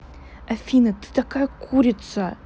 афина ты такая курица